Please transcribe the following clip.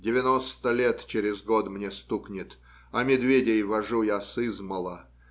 девяносто лет через год мне стукнет, а медведей вожу я сызмала.